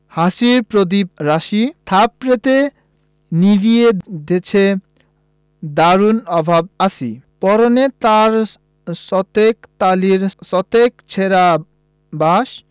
হাসির প্রদিপ রাশি থাপড়েতে নিবিয়ে দেছে দারুণ অভাব আসি পরনে তার শতেক তালির শতেক ছেঁড়া বাস